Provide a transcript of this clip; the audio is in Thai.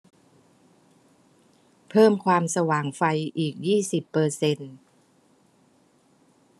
เพิ่มความสว่างไฟอีกยี่สิบเปอร์เซ็นต์